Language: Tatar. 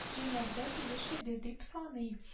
Җиңәргә тиеш иде, дип саный